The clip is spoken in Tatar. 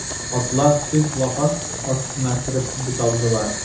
Атлар төз лапас астына кереп буталдылар.